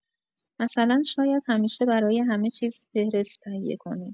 مثلا شاید همیشه برای همه‌چیز فهرست تهیه کنید.